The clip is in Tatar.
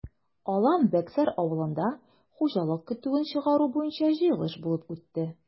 Алан-Бәксәр авылында хуҗалык көтүен чыгару буенча җыелыш булып үтте.